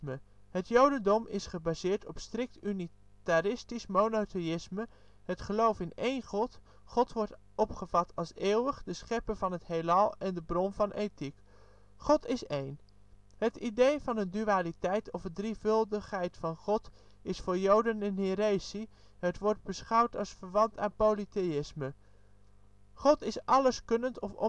het jodendom is gebaseerd op strikt unitaristisch monotheïsme, het geloof in één God. God wordt opgevat als eeuwig, de schepper van het heelal en de bron van ethiek. God is één - het idee van een dualiteit of een drievuldigheid van God is voor joden een heresie; het wordt beschouwd als verwant aan polytheïsme. God is alleskunnend of omnipotent